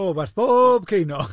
O, werth bob ceinog!